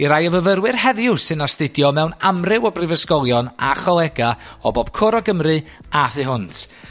i rai o fyfyrwyr heddiw sy'n astudio mewn amryw o brifysgolion a cholega o bob cwr o Gymru a thu hwnt,